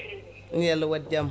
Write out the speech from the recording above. yo Allha waat jaam